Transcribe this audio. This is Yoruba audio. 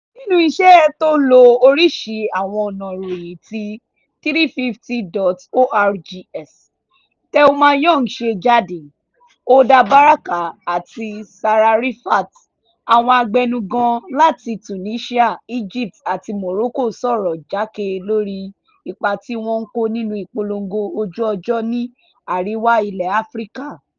Nínú iṣẹ́ tó lo orìṣi àwọn ọ̀na ìròyìn tí 350.org’s Thelma Young ṣe jáde, Hoda Baraka àti Sarah Rifaat, àwọn abẹnugan láti Tunisia, Egypt àti Morocco sọ̀rọ̀ jákè lóri ipa tí wọ́n kó nínú ìpolongo ojú ọjọ́ ní Àríwá ilẹ̀ Áfíríkà.